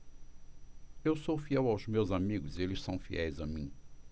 eu sou fiel aos meus amigos e eles são fiéis a mim